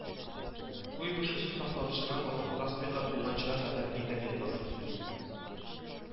Куйбышев сусаклагычыннан алып Каспийга койганчыга кадәр Идел елгасы